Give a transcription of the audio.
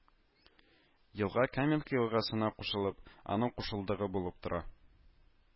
Елга Каменка елгасына кушылып, аның кушылдыгы булып тора